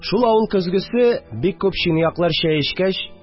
Шул авыл көзгесе, бик күп чынаяклар чәй эчкәч